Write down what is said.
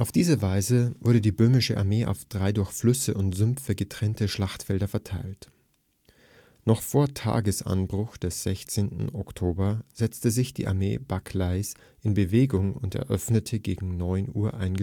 diese Weise wurde die Böhmische Armee auf drei durch Flüsse und Sümpfe getrennte Schlachtfelder verteilt. Noch vor Tagesanbruch des 16. Oktober setzte sich die Armee Barclays in Bewegung und eröffnete gegen 9 Uhr ein Geschützfeuer